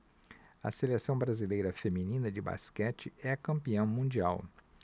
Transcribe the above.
a seleção brasileira feminina de basquete é campeã mundial